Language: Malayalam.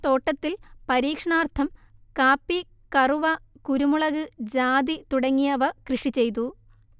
തോട്ടത്തിൽ പരീക്ഷണാർത്ഥം കാപ്പി, കറുവ, കുരുമുളക്, ജാതി തുടങ്ങിയവ കൃഷി ചെയ്തു